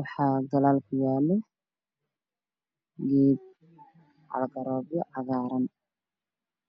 ayaa meeshaasi ku yaallo geedo ka dambeeyaan